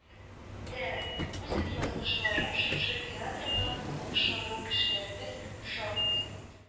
Дә үз язмышларын шушы театрга багышлаган кешеләребез шактый